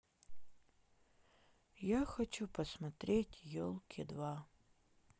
я хочу посмотреть елки два